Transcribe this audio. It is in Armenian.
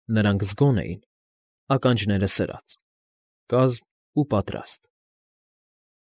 Նրանք զգոն էին, ականջները սրած, կազմ ու պատրաստ։